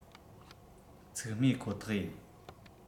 འཚིག རྨས ཁོ ཐག ཡིན